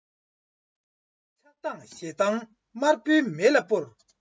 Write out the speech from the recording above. ཆགས སྡང ཞེ སྡང དམར པོའི མེ ལ སྤོར